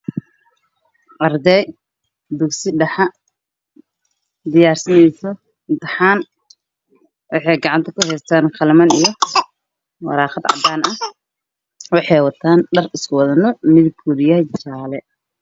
Waa schoolka gabdho